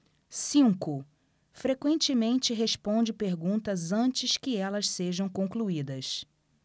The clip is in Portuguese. cinco frequentemente responde perguntas antes que elas sejam concluídas